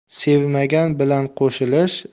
sevmagan bilan qo'shilish